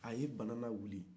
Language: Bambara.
a ye bana lawili